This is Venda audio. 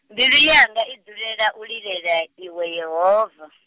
mbilu yanga idzulela u lilela, iwe Yehova.